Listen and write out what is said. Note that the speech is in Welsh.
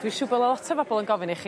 Dwi'n siŵr bo' lot o bobol yn gofyn i chi.